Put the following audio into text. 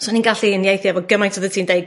So o'n i'n gallu uniaethu efo gymaint oeddet ti'n deud